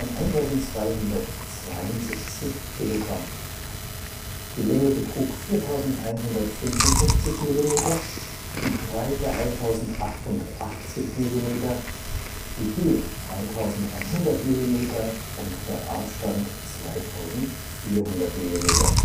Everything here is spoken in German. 1272 kg Länge: 4155 mm Breite: 1880 mm Höhe: 1100 mm Radstand: 2400 mm